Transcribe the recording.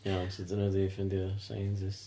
Iawn, so 'di nhw 'di ffeindio scientists?